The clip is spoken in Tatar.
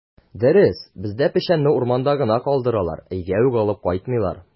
Дөрес, бездә печәнне урманда гына калдыралар, өйгә үк алып кайтмыйлар.